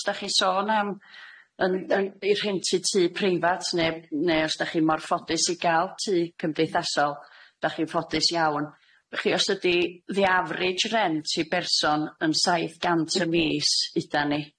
os dach chi'n sôn am yn yn i'r hyn ty tŷ preifat ne' ne' os dach chi mor ffodus i ga'l tŷ cymdeithasol, dach chi'n ffodus iawn bo' chi os ydi the average rent i berson yn saith gant y mis udan ni.